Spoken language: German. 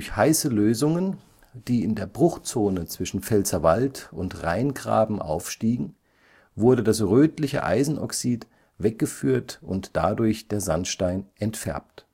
heiße Lösungen, die in der Bruchzone zwischen Pfälzerwald und Rheingraben aufstiegen, wurde das rötliche Eisenoxid weggeführt und dadurch der Sandstein entfärbt